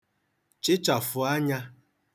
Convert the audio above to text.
chịchàfụ̀ anyā